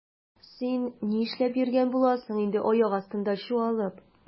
Син нишләп йөргән буласың инде аяк астында чуалып?